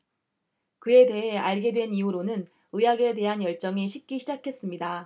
그에 대해 알게 된 이후로는 의학에 대한 열정이 식기 시작했습니다